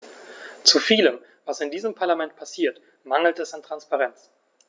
Zu vielem, was in diesem Parlament passiert, mangelt es an Transparenz.